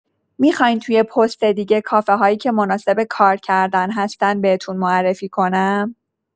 می‌خواین تو یه پست دیگه کافه‌هایی که مناسب کار کردن هستن بهتون معرفی کنم؟